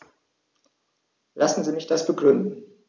Lassen Sie mich das begründen.